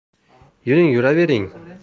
yuring yuravering